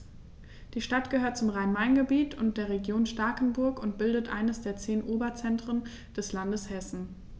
Die Stadt gehört zum Rhein-Main-Gebiet und der Region Starkenburg und bildet eines der zehn Oberzentren des Landes Hessen.